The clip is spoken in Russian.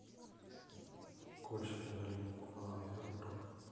кольщик наколи мне купола михаил круг